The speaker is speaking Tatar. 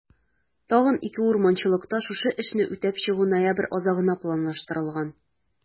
Тагын 2 урманчылыкта шушы эшне үтәп чыгу ноябрь азагына планлаштырылган.